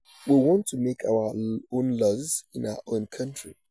We want to make our own laws in our own country.'